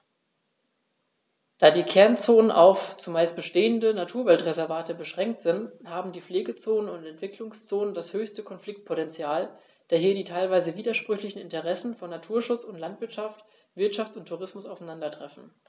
Da die Kernzonen auf – zumeist bestehende – Naturwaldreservate beschränkt sind, haben die Pflegezonen und Entwicklungszonen das höchste Konfliktpotential, da hier die teilweise widersprüchlichen Interessen von Naturschutz und Landwirtschaft, Wirtschaft und Tourismus aufeinandertreffen.